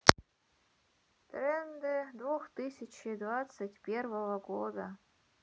тренды двух тысячи двадцать первого года